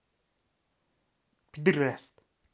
пидераст